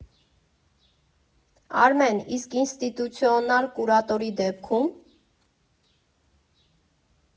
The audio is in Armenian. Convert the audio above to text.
Արմեն, իսկ ինստիտուցիոնալ կուրատորի դեպքո՞ւմ։